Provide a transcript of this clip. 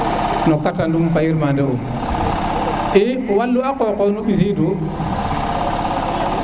no qata num fo yirmande um te yit walu a qoqo nu mbisi du